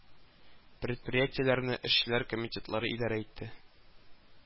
Предприятиеләрне эшчеләр комитетлары идарә итте